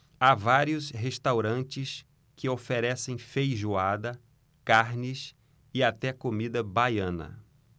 há vários restaurantes que oferecem feijoada carnes e até comida baiana